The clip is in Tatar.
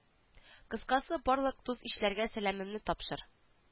Кыскасы барлык дус-ишләргә сәламемне тапшыр